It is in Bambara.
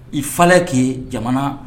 I fa' jamana